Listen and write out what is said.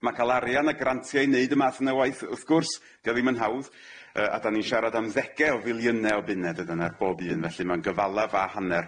Ma' ca'l arian a grantia i neud y math yn y waith wrth gwrs, dydi o ddim yn hawdd yy a dan ni'n siarad am ddege o filiyne o buned ydyn ar bob un felly ma'n gyfala fa' hanner.